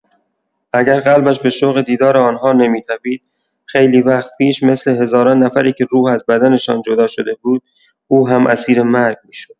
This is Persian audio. اگر قلبش به شوق دیدار آن‌ها نمی‌تپید، خیلی وقت پیش مثل هزاران نفری که روح از بدنشان جدا شده بود، او هم اسیر مرگ می‌شد.